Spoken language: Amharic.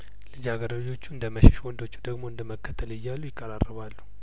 ልጃገረዶቹ እንደመሸሽ ወንዶቹ ደግሞ እንደመከተል እያሉ ይቀራረባሉ